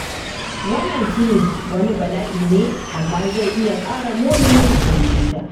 “Wannan tuni wani bala’i ne, amma zai iya ƙara muni,” inji ta.